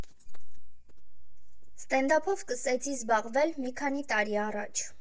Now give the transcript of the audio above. Ստենդափով սկսեցի զբաղվել մի քանի տարի առաջ։